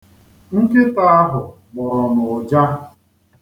Nkịta ahụ gbọrọ m ụja.